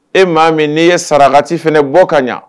E m maaa min n'i ye saratif bɔ ka ɲɛ